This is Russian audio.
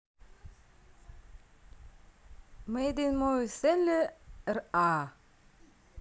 mademoiselle r a